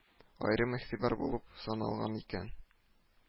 Аерым игътибар булып саналган икән